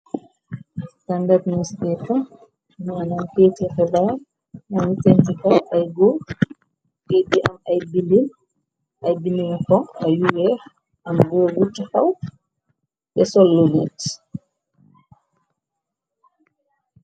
Standard news paper manam keyti xibaar mungi seen si kaw ay goor keyti bu am ay bina yu weex am goor bu taxaw teh sol lunett.